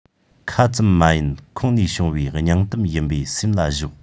ཁ ཙམ མ ཡིན ཁོང ནས ཕྱུང བའི སྙིང གཏམ ཡིན པས སེམས ལ ཞོག